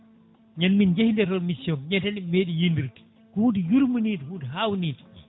ñande min jeeyi nde toon mission ñande hen ɓe meeɗi yiidirde hunde yurminide hunde hawnide